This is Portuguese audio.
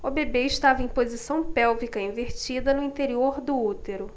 o bebê estava em posição pélvica invertida no interior do útero